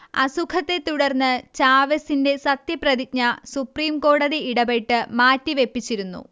അസുഖത്തെ തുടർന്ന് ചാവെസിന്റെ സത്യപ്രതിജ്ഞ സുപ്രീം കോടതി ഇടപെട്ട് മാറ്റിവെപ്പിച്ചിരുന്നു